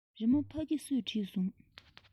རི མོ ཕ གི སུས བྲིས སོང